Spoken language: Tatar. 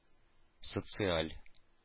Социаль